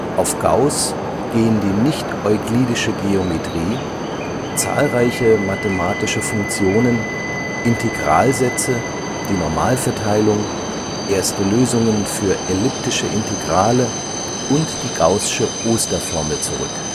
Auf Gauß gehen die nichteuklidische Geometrie, zahlreiche mathematische Funktionen, Integralsätze, die Normalverteilung, erste Lösungen für elliptische Integrale und die gaußsche Osterformel zurück